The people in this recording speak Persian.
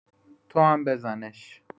توام بزنش